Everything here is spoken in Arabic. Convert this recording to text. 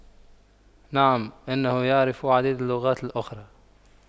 نعم انه يعرف عدد اللغات الأخرى